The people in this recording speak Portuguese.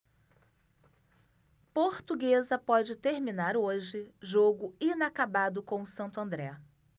portuguesa pode terminar hoje jogo inacabado com o santo andré